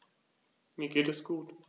Mir geht es gut.